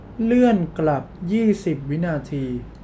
เลื่อนกลับยี่สิบวินาที